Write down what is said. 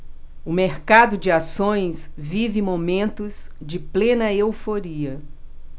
o mercado de ações vive momentos de plena euforia